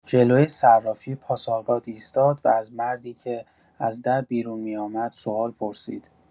جلوی صرافی پاسارگاد ایستاد و از مردی که از در بیرون می‌آمد سوال پرسید.